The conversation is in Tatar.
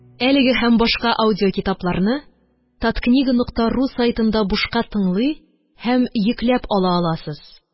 Әлеге һәм башка аудиокитапларны таткнига нокта ру сайтында бушка тыңлый һәм йөкләп ала аласыз